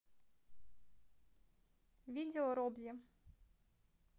видео робзи